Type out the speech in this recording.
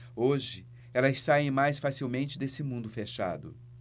hoje elas saem mais facilmente desse mundo fechado